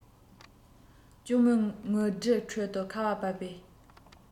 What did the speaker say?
གཅུང མོའི ངུ སྒྲའི ཁྲོད དུ ཁ བ བབས པའི